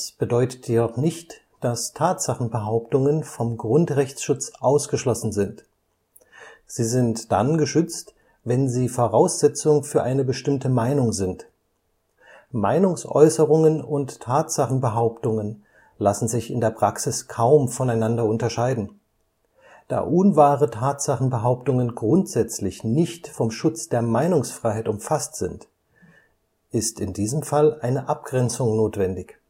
bedeutet jedoch nicht, dass Tatsachenbehauptungen vom Grundrechtsschutz ausgeschlossen sind. Sie sind dann geschützt, wenn sie Voraussetzung für eine bestimmte Meinung sind. Meinungsäußerungen und Tatsachenbehauptungen lassen sich in der Praxis kaum voneinander unterscheiden. Da unwahre Tatsachenbehauptungen grundsätzlich nicht vom Schutz der Meinungsfreiheit umfasst sind, ist in diesem Fall eine Abgrenzung notwendig